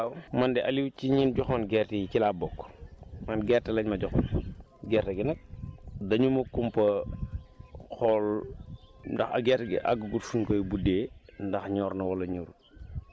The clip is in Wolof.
waaw man de Aliou ci ñiñ joxoon gerte yi ci laa bokk man gerte lañ ma jox gerte gi nag dañu ma kumpa xool ndax gerte gi àggagul fuñ koy buddee ndax ñor na wala ñorul